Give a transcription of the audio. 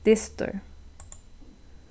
dystur